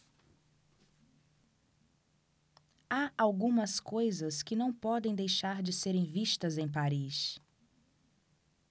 há algumas coisas que não podem deixar de serem vistas em paris